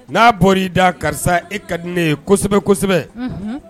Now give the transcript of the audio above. N'a bɔra y ii da karisa e ka di ne ye kosɛbɛ kosɛbɛ